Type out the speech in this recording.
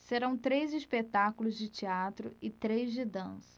serão três espetáculos de teatro e três de dança